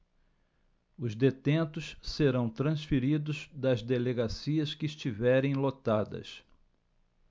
os detentos serão transferidos das delegacias que estiverem lotadas